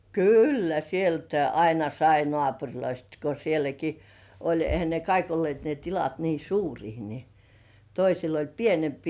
kyllä sieltäkin aina sai naapureista kun sielläkin oli eihän ne kaikki olleet ne tilat niin suuria niin toisilla oli pienempiä